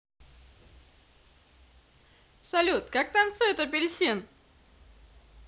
салют как танцует апельсин